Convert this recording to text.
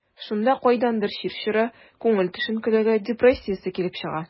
Шунда кайдандыр чир чоры, күңел төшенкелеге, депрессиясе килеп чыга.